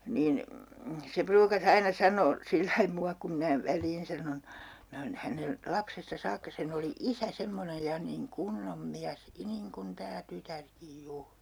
niin se pruukasi aina sanoa sillä lailla minua kun minä väliin sanon minä olen hänen lapsesta saakka sen oli isä semmoinen ja niin kunnon mies niin kuin tämä tytärkin juuri